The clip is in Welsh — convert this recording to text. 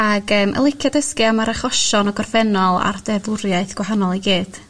ag yym yn licio dysgu am yr achosion o gorffennol ar derddfwriaeth gwahanol i gyd.